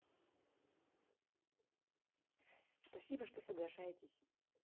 спасибо что соглашаетесь